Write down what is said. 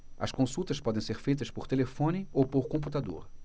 as consultas podem ser feitas por telefone ou por computador